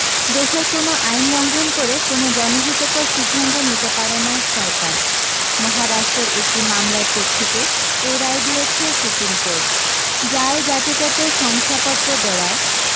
দেশের কোনও আইন লঙ্ঘন করে কোনও জনহিতকর সিদ্ধান্ত নিতে পারে না সরকার মহারাষ্ট্রের একটি মামলার প্রেক্ষিতে এই রায় দিয়েছে সুপ্রিম কোর্ট জাল জাতিগত শংসাপত্র দেওয়ায়